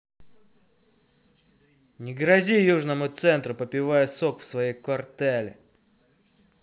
не грози южному центру попивая сок в своем квартале